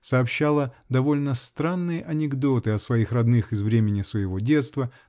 сообщала довольно странные анекдоты о своих родных из времени своего детства